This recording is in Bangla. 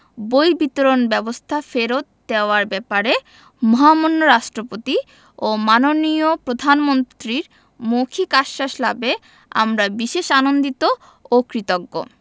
বই বিতরণ ব্যবস্থা ফেরত দেওয়ার ব্যাপারে মহামান্য রাষ্ট্রপতি ও মাননীয় প্রধানমন্ত্রীর মৌখিক আশ্বাস লাভে আমরা বিশেষ আনন্দিত ও কৃতজ্ঞ